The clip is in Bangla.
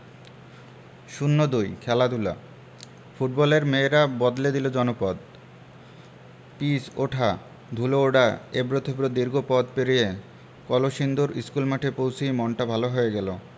০২ খেলাধুলা ফুটবলের মেয়েরা বদলে দিল জনপদ পিচ ওঠা ধুলো ওড়া এবড়োতেবড়ো দীর্ঘ পথ পেরিয়ে কলসিন্দুর স্কুলমাঠে পৌঁছেই মনটা ভালো হয়ে গেল